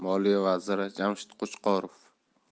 moliya vaziri jamshid qo'chqorov